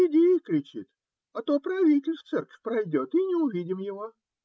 - Иди, - кричит, - а то правитель в церковь пройдет, и не увидим его.